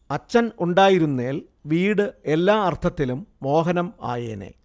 അച്ഛൻ ഉണ്ടായിരുന്നേൽ വീട് എല്ലാ അർത്ഥത്തിലും മോഹനം ആയേനേ